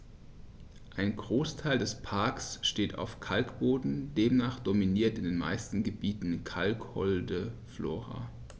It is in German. Ein Großteil des Parks steht auf Kalkboden, demnach dominiert in den meisten Gebieten kalkholde Flora.